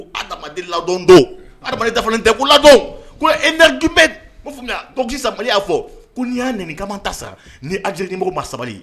Adama ladɔn don dafa tɛ ko ladon ko ebe sabali y'a fɔ ko n'i y'a kama ta sara nij nimɔgɔ ma sabali ye